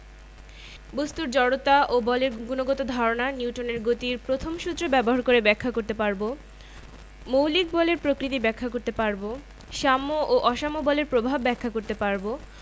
এই অধ্যায়ে আমরা দেখব বস্তু গতিশীল হয় বলের কারণে এবং বল নিয়ে আইজাক নিউটনের তিনটি যুগান্তকারী সূত্র নিয়ে আলোচনা করব